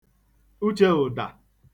ucheụ̀dà